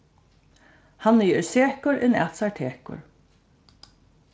hann ið er sekur inn at sær tekur